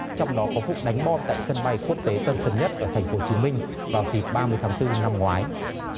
trong đó có vụ đánh bom tại sân bay quốc tế tân sơn nhất ở thành phố chí minh vào dịp ba mươi tháng tư năm ngoái